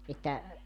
että